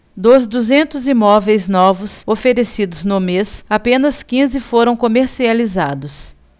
dos duzentos imóveis novos oferecidos no mês apenas quinze foram comercializados